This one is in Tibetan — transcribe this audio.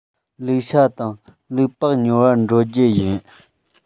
ལུག ཤ དང ལུག ལྤགས ཉོ བར འགྲོ རྒྱུ ཡིན